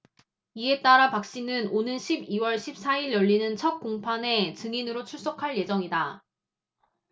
이에 따라 박씨는 오는 십 이 월 십 사 일 열리는 첫 공판에 증인으로 출석할 예정이다